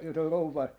jota rouva